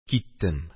Киттем